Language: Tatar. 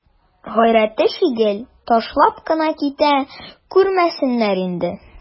Гайрәте чигеп, ташлап кына китә күрмәсеннәр инде.